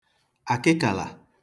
àkịkàlà